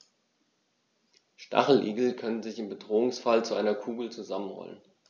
Stacheligel können sich im Bedrohungsfall zu einer Kugel zusammenrollen.